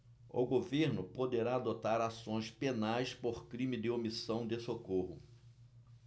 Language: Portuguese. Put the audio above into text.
o governo poderá adotar ações penais por crime de omissão de socorro